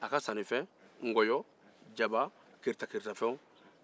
a ka sannifɛn nkɔyɔ jaba kiritakiritafɛn